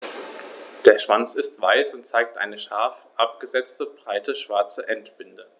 Der Schwanz ist weiß und zeigt eine scharf abgesetzte, breite schwarze Endbinde.